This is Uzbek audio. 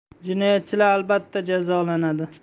jinoyatchilar albatta jazolanadi